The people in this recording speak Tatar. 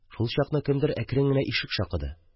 Шулчакны кемдер әкрен генә ишек шакыды.